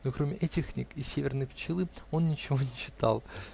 но, кроме этих книг и "Северной пчелы", он ничего не читал.